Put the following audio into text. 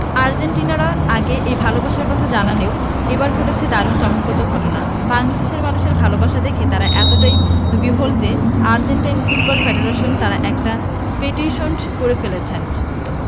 আর্জেন্টাইনরা আগেই এই ভালোবাসার কথা জানলেও এবার ঘটেছে দারুণ চমকপ্রদ ঘটনা বাংলাদেশের মানুষের ভালোবাসা দেখে তারা এতটাই বিহ্বল যে আর্জেন্টাইন ফুটবল ফেডারেশনে তারা একটা পিটিশনট করে ফেলেছেন্ট